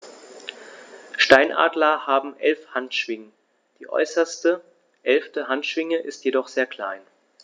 Steinadler haben 11 Handschwingen, die äußerste (11.) Handschwinge ist jedoch sehr klein.